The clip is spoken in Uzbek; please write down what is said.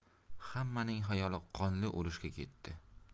hammaning xayoli qonli urushga ketdi